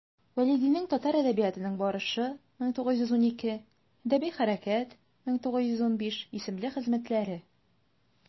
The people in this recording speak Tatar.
Вәлидинең «Татар әдәбиятының барышы» (1912), «Әдәби хәрәкәт» (1915) исемле хезмәтләре.